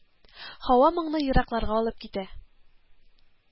Һава моңны еракларга алып китә